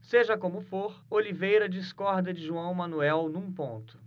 seja como for oliveira discorda de joão manuel num ponto